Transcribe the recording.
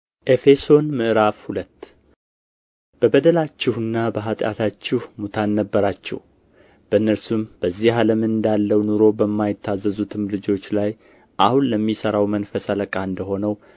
ኤፌሶን ምዕራፍ ሁለት በበደላችሁና በኃጢአታችሁ ሙታን ነበራችሁ በእነርሱም በዚህ ዓለም እንዳለው ኑሮ በማይታዘዙትም ልጆች ላይ አሁን ለሚሠራው መንፈስ አለቃ እንደ ሆነው